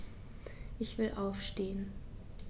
Ich will aufstehen.